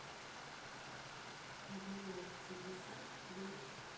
голос шестьдесят плюс